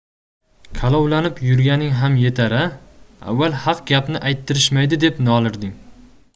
kalovlanib yurganing ham yetar a avval haq gapni ayttirishmaydi deb nolirding